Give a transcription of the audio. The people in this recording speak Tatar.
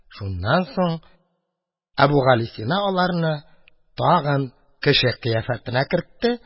Шуннан соң Әбүгалисина аларны тагын кеше кыяфәтенә кертте